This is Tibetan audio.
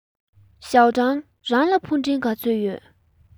ཞའོ ཀྲང རང ལ ཕུ འདྲེན ག ཚོད ཡོད